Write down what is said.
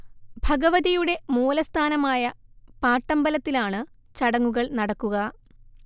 ഭഗവതിയുടെ മൂലസ്ഥാനമായ പാട്ടമ്പലത്തിലാണ് ചടങ്ങുകൾ നടക്കുക